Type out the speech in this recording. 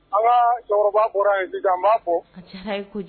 A ka cɛkɔrɔba bɔla yen sisan n b'a fo0.